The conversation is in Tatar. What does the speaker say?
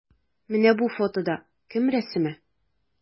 Менә бу фотода кем рәсеме?